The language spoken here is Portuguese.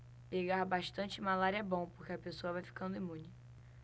pegar bastante malária é bom porque a pessoa vai ficando imune